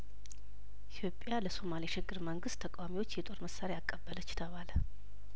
ኢትዮጵያ ለሶማሊያ የሽግግር መንግስት ተቃዋሚዎች የጦር መሳሪያ አቀበለች ተባለ